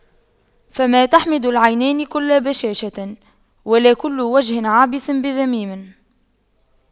فما تحمد العينان كل بشاشة ولا كل وجه عابس بذميم